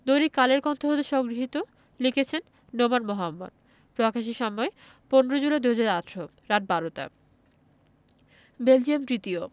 দৈনিক কালের কন্ঠ হতে সংগৃহীত লিখেছেন নোমান মোহাম্মদ প্রকাশের সময় ১৫ জুলাই ২০১৮ রাত ১২ টা বেলজিয়াম তৃতীয়